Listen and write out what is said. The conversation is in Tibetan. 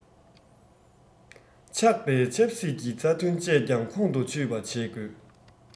ཆགས པའི ཆབ སྲིད ཀྱི རྩ དོན བཅས ཀྱང ཁོང དུ ཆུད པ བྱེད དགོས